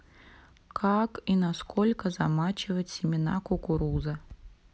как и на сколько замачивать семена кукуруза